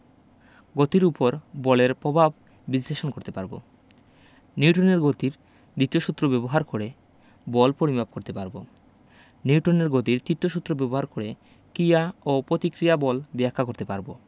গতির উপর বলের পভাব বিশ্লেষণ করতে পারব নিউটনের গতির দ্বিতীয় সূত্র ব্যবহার করে বল পরিমাপ করতে পারব নিউটনের গতির তিতীয় সূত্র ব্যবহার করে কিয়া ও পতিক্রিয়া বল ব্যাখ্যা করতে পারব